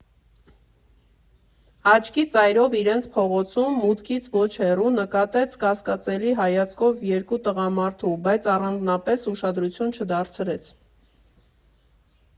Աչքի ծայրով իրենց փողոցում՝ մուտքից ոչ հեռու, նկատեց կասկածելի հայացքով երկու տղամարդու, բայց առանձնապես ուշադրություն չդարձրեց։